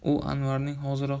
u anvarning hoziroq